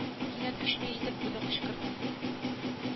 Кинәт көчле итеп гудок кычкырды